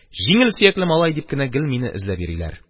Җиңел сөякле малай, дип гел мине эзләп йөриләр.